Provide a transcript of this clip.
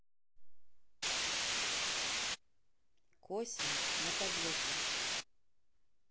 косим мотоблоком